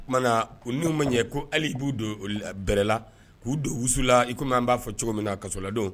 O k tumana na ko n' ma ɲɛ ko hali b'u don bɛrɛ la k'u don wusula i komi an b'a fɔ cogo min na kasoladon